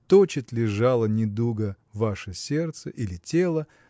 точит ли жало недуга ваше сердце или тело